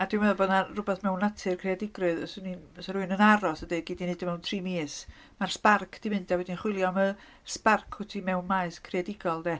A dwi'n meddwl bod 'na rwbath mewn natur creadigrwydd, 'swn i'n... 'sa rywun yn aros, a deud "gei di neud o mewn tri mis", ma'r sbarc 'di mynd a fyddi di'n chwilio am y sbarc wyt ti mewn maes creadigol, de.